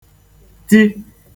ti